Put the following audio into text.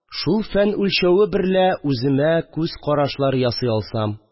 Шул фән үлчәве берлә үземә күз карашлары ясый алсам